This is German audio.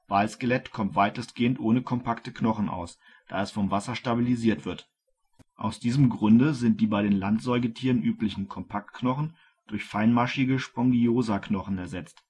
Walskelett kommt weitestgehend ohne kompakte Knochen aus, da es vom Wasser stabilisiert wird. Aus diesem Grunde sind die bei den Landsäugetieren üblichen Kompaktknochen durch feinmaschige Spongiosaknochen ersetzt